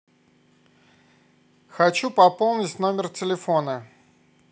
хочу пополнить номер телефона